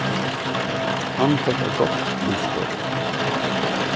hann fekk eitt gott hugskot s